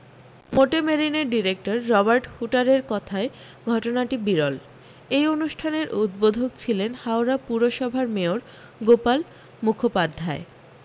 মোটে মেরিনের director Robert হুটারের কথায় ঘটনাটি বিরল এই অনুষ্ঠানের উদ্বোধক ছিলেন হাওড়া পুরসভার মেয়র গোপাল মুখোপাধ্যায়